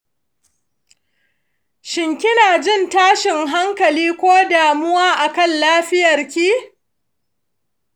shin kinajin tashin hankali ko damuwa akan lafiyanki?